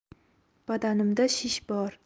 badanimda shish bor